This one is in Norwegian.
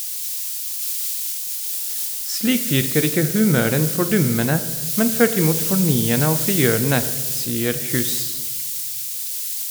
Slik virker ikke humoren fordummende, men tvert imot fornyende og frigjørende, sier Kjus.